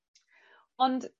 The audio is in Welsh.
Ond